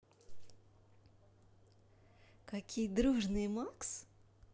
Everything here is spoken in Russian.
какие дружные макс